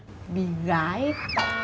vì gái